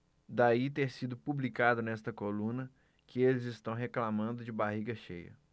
daí ter sido publicado nesta coluna que eles reclamando de barriga cheia